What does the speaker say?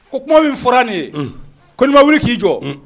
Ko kuma min fɔra nin ye koba wuli k'i jɔ